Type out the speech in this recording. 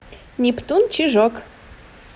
нептун чижок